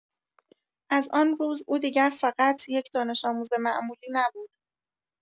از آن روز، او دیگر فقط یک دانش‌آموز معمولی نبود.